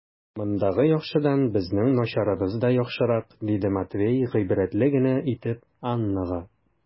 Мондагы яхшыдан безнең начарыбыз да яхшырак, - диде Матвей гыйбрәтле генә итеп Аннага.